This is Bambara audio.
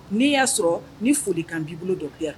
N'i y'a sɔrɔ ni foli ka b'i bolo dɔ bi yan